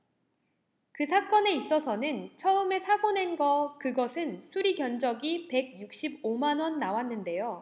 그 사건에 있어서는 처음에 사고 낸 거 그것은 수리 견적이 백 육십 오 만 원 나왔는데요